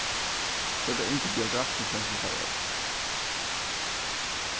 so er tað ingibjørg rasmussen sum fær orðið